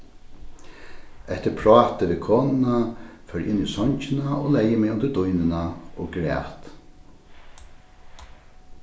eftir prátið við konuna fór eg inn í songina og legði meg undir dýnuna og græt